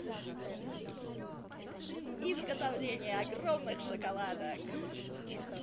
изготовление огромных шоколадок